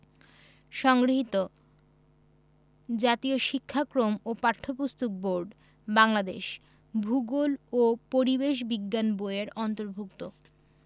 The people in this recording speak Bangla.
সংগৃহীত জাতীয় শিক্ষাক্রম ও পাঠ্যপুস্তক বোর্ড বাংলাদেশ ভূগোল ও পরিবেশ বিজ্ঞান বই এর অন্তর্ভুক্ত